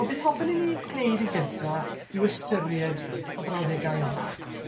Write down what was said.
On' beth hoffwn i ni neud yn gynta yw ystyried y brawddegau yma.